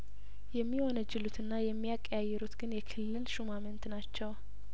የሚ ወነጀሉትና የሚቀያየሩት ግን የክልል ሹማምንት ናቸው